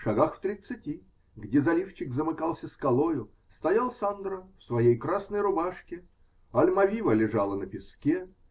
Шагах в тридцати, где заливчик замыкался скалою, стоял Сандро в своей красной рубашке. Альмавива лежала на песке